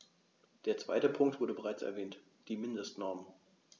Der zweite Punkt wurde bereits erwähnt: die Mindestnormen.